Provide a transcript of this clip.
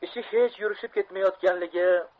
ishi hech yurishib ketmayotganligi